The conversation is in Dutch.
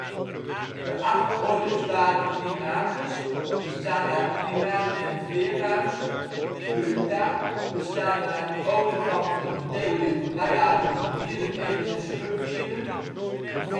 acht orden waren Primates (primaten en vleermuizen), Bruta (olifanten, zeekoeien, luiaarden, miereneters en schubdieren), Ferae